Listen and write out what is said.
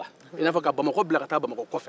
i n'a fɔ ka bamako bila ka taa bamakɔ kɔ fɛ